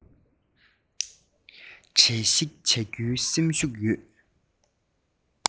གྲས ཤིག བྱ རྒྱུའི སེམས ཤུགས ཡོད